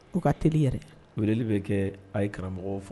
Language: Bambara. O ka teli yɛrɛ, weele bɛ kɛ a ye karamɔgɔw fo.